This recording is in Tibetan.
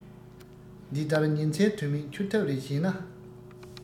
འདི ལྟར ཉིན མཚན དོན མེད འཁྱོལ ཐབས རེ བྱས ན